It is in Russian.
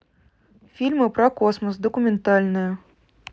фильмы про космос документальные